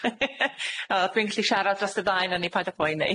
O dwi'n gallu siarad dros y ddau na ni paid â poeni.